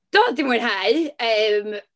Do, 'di mwynhau, yym...